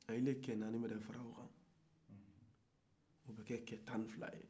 o lu cɛ naani mana fara o kan o bɛ kɛ cɛ tan ni naani ye